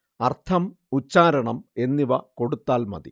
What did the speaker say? അർത്ഥം ഉച്ചാരണം എന്നിവ കൊടുത്താൽ മതി